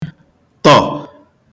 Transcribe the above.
tọ̀